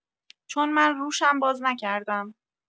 چون من روشم باز نکردم